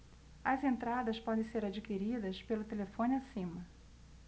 as entradas podem ser adquiridas pelo telefone acima